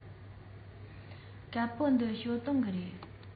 དཀར པོ འདི ཞའོ ཏོན གྱི རེད